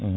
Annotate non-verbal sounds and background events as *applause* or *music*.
*hesitation* *hesitation*